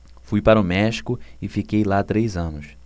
fui para o méxico e fiquei lá três anos